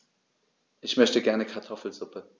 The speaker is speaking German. Ich möchte gerne Kartoffelsuppe.